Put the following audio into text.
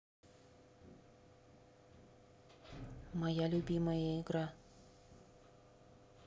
моя любимая игра